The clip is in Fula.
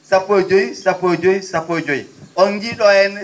sappo e joyi sappo e joyi sappo e joyi on jiyii ?o henna